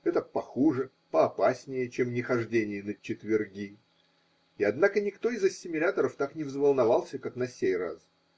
это похуже, поопаснее, чем нехождение на четверги, и однако никто из ассимиляторов так не взволновался, как на сей раз.